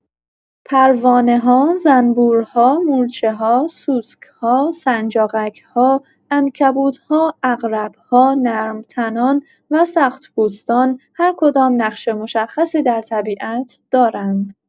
پروانه‌ها، زنبورها، مورچه‌ها، سوسک‌ها، سنجاقک‌ها، عنکبوت‌ها، عقرب‌ها، نرم‌تنان و سخت‌پوستان هرکدام نقش مشخصی در طبیعت دارند.